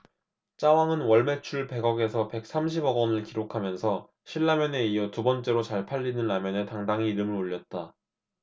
짜왕은 월 매출 백 억 에서 백 삼십 억원을 기록하면서 신라면에 이어 두번째로 잘 팔리는 라면에 당당히 이름을 올렸다